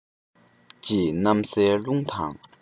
ཅེས གནམ སའི རླུང དང